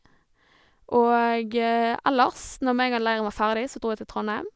Og ellers, når med en gang leiren var ferdig så dro jeg til Trondheim.